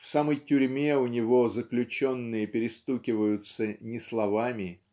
в самой тюрьме у него заключенные перестукиваются не словами